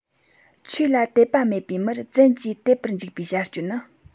ཆོས ལ དད པ མེད པའི མིར བཙན གྱིས དད པར འཇུག པའི བྱ སྤྱོད ནི